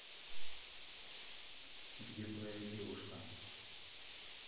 где твоя девушка